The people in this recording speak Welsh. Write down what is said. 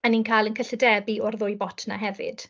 A ni'n cael ein cyllidebu o'r ddwy bot 'na hefyd.